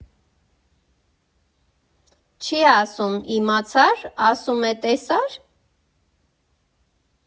Չի ասում՝ իմացա՞ր, ասում է՝ տեսա՞ր։